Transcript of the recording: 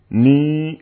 Min